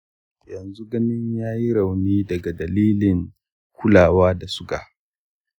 yanzu ganin yayi rauni daga dalilin kulawa da suga.